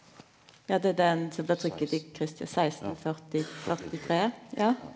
ja det er den som blei trykka i 1640 43 ja.